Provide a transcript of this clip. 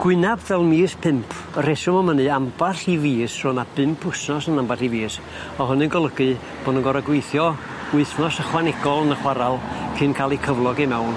Gwynab fel mis pump, y reswm am ynny amball i fis, ro' 'na bump wsnos yn ambell i fis o' hynny'n golygu bo' nw'n gor'o' gweithio wythnos ychwanegol yn y chwarel cyn ca'l eu cyflog i mewn.